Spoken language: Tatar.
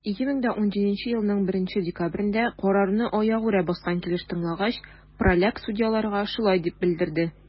2017 елның 1 декабрендә, карарны аягүрә баскан килеш тыңлагач, праляк судьяларга шулай дип белдерде: